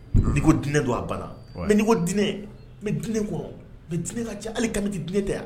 N diinɛ don a bala mɛko diinɛ n bɛ d diinɛ kɔ mɛ dinɛ ka cɛ hali kami di dinɛ tɛ yan